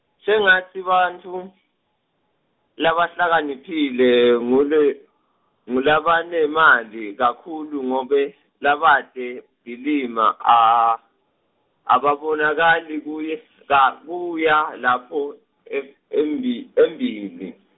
shengatsi bantfu, labahlakaniphile ngule-, ngulabanemali kakhulu ngobe, labate, tilima, a- ababonakali kuye, ka, kuya lapho, em- embi- embili.